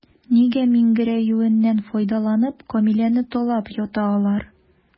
Нигә миңгерәюеннән файдаланып, Камиләне талап ята алар?